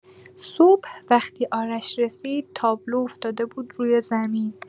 صبح وقتی آرش رسید، تابلو افتاده بود روی زمین.